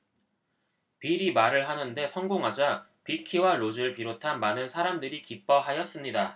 빌이 말을 하는 데 성공하자 빅키와 로즈를 비롯한 많은 사람들이 기뻐하였습니다